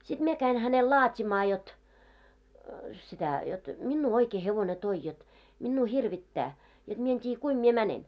sitten minä kävin hänelle laatimaan jotta sitä jotta minua oikein hevonen toi jotta minua hirvittää jotta minä en tiedä kuinka minä menen